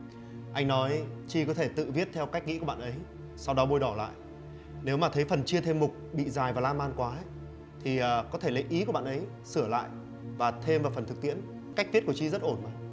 anh nói chi có thể tự viết theo cách nghĩ của bạn ấy sau đó bôi đỏ lại nếu mà thấy phần chia thêm mục bị dài và lan man ấy quá thì ờ có thể lấy ý của bạn ấy sửa lại và thêm vào phần thực tiễn cách viết của chi rất ổn mà